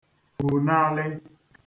fùnalị